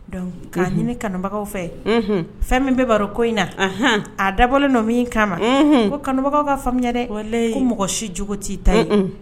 Donc k'a ɲini kanubagaw fɛ fɛn min bɛ baro ko in na a dabɔlen nɔ min kama ko kanubagaw ka faamuya dɛ mɔgɔ si jogot tɛ i ta ye.